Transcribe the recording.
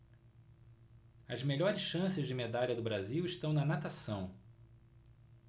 as melhores chances de medalha do brasil estão na natação